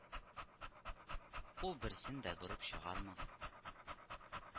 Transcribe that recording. Ул берсен дә борып чыгармаган